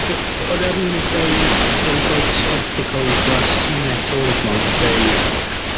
be' b-... odd 'na rywun yn deud o'n i'n gweld erthygl d'wod seen it all dwi'n me'wl yn deud